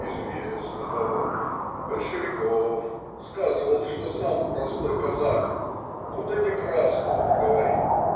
известно кого-большевиков, сказывал, что сам простой казак, ну да не красно он говорит.